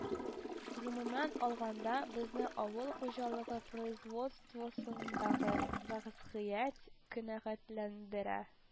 “гомумән алганда, безне авыл хуҗалыгы производствосындагы вәзгыять канәгатьләндерә